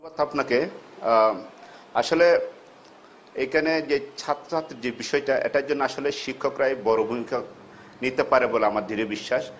ধন্যবাদ আপনাকে আসলে এনে যে ছাত্র ছাত্রীর যে বিষয়টা এটার জন্য আসলে শিক্ষকরাই বড় ভূমিকা নিতে পারে আমার দৃঢ় বিশ্বাস